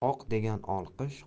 oq degan olqish